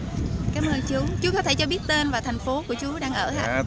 cảm ơn chú chú có thể cho biết tên và thành phố của chú đang ở